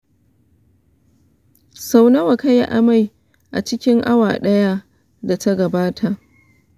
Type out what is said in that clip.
sau nawa ka yi amai a cikin awa ɗaya da ta gabata?